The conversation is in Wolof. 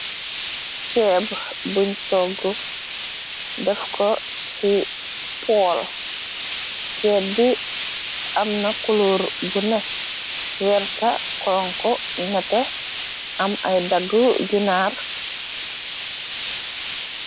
Cheeb buñ togg def ko ci pol chéeb bi amna kuluur bu ne werte konku nete am ay daggu ginaar.